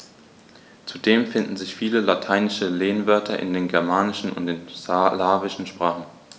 Zudem finden sich viele lateinische Lehnwörter in den germanischen und den slawischen Sprachen.